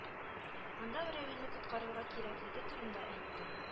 Анда Равилне коткарырга кирәклеге турында әйттем